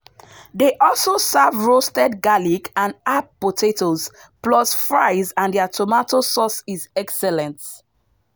They also serve roasted garlic and herb potatoes, plus fries and their tomato sauce is excellent.